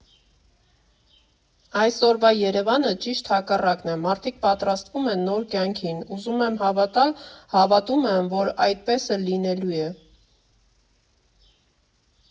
Այսօրվա Երևանը ճիշտ հակառակն է՝ մարդիկ պատրաստվում են նոր կյանքին, ուզում եմ հավատալ, հավատում եմ, որ այդպես էլ լինելու է։